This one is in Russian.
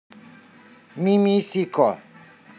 мимисико